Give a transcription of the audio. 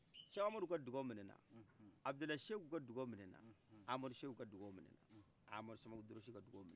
seku amadu ka duwawu minaina abudulayi seku ka duwawu minaina amadu seku ka duwawu minaina amadu sama durusi ka duwawu minaina